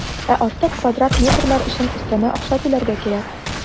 Ә артык квадрат метрлар өчен өстәмә акча түләргә кирәк.